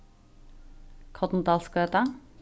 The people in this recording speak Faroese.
korndalsgøta